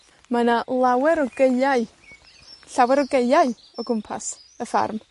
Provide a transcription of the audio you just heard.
Mae 'na lawer o gaeau, llawer o gaeau, o gwmpas y ffarm.